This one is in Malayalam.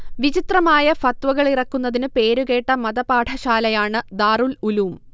വിചിത്രമായ ഫത്വകൾ ഇറക്കുന്നതിന് പേര് കേട്ട മതപാഠശാലയാണ് ദാറുൽഉലൂം